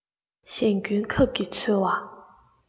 གཞན སྐྱོན ཁབ ཀྱིས འཚོལ བ